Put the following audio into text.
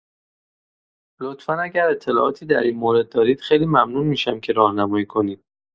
لطفا اگر اطلاعاتی در این مورد دارید خیلی ممنون می‌شم که راهنمایی کنید